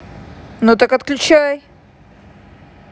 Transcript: ну так отключай